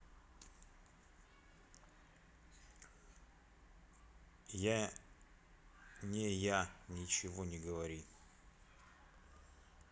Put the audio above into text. я не я ничего не говори